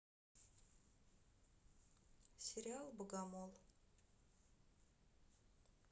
сериал богомол